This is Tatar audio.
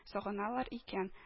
Сагыналар икән